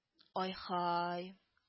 Ай-һай